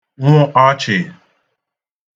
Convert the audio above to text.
nwụ ọchì